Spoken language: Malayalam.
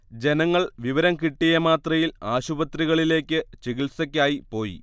ജനങ്ങൾ വിവരം കിട്ടിയമാത്രയിൽ ആശുപത്രികളിലേക്ക് ചികിത്സക്കായി പോയി